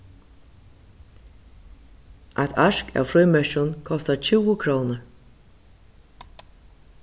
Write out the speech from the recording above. eitt ark av frímerkjum kostar tjúgu krónur